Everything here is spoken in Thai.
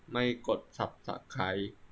ไม่กดสับตะไคร้